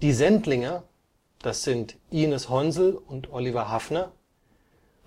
Die Sendlinger “, Ines Honsel und Oliver Haffner,